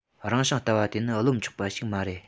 རང བྱུང ལྟ བ དེ ནི རློམ ཆོག པ ཞིག མ རེད